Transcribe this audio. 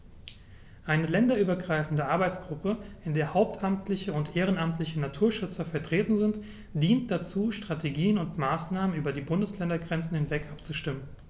Eine länderübergreifende Arbeitsgruppe, in der hauptamtliche und ehrenamtliche Naturschützer vertreten sind, dient dazu, Strategien und Maßnahmen über die Bundesländergrenzen hinweg abzustimmen.